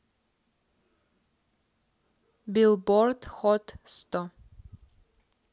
billboard hot сто